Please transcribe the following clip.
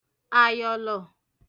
àyọ̀lọ̀